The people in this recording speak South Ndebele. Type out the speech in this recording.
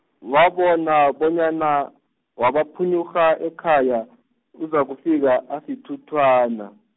wabona bonyana, wabaphunyurha ekhaya, uzakufika asitutwana.